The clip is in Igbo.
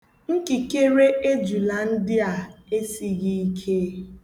Nkikere ejula ndị a esighị ike.